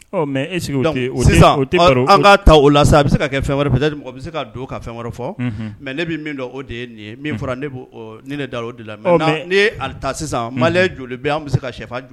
Ɔ mais est ce que o te o te o te baro o donc sisan ɔ an ka ta o la sa a be se ka kɛ fɛn wɛrɛ peut-être mɔgɔ be se ka don ka fɛn wɛrɛ fɔ unnun mais ne bi min dɔn o de ye nin ye unhun min fɔra ne b'o oo ni ne dar'o de la ɔ mais n'i ye al ta sisan malien joli be ye anw be se ka sefan j